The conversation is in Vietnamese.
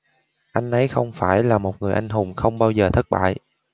anh ấy không phải là một người anh hùng không bao giờ thất bại